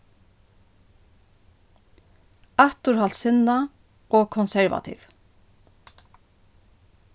afturhaldssinnað og konservativ